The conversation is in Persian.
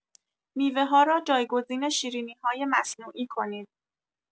میوه‌ها را جایگزین شیرینی‌های مصنوعی کنید.